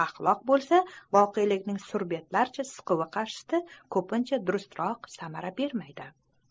axloq esa voqelikning surbetlarcha siquvi qarshisida ko'pincha durustroq samara bermaydi